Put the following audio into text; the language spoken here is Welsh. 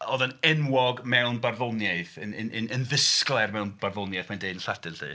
Oedd yn enwog mewn barddoniaeth, yn yn yn yn ddisglair mewn barddoniaeth, mae'n deud yn Lladin 'lly.